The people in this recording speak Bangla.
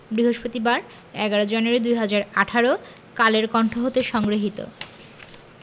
বৃহস্পতিবার ১১ জানুয়ারি ২০১৮ কালের কন্ঠ হতে সংগৃহীত